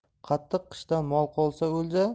qattiq qishdan mol qolsa o'lja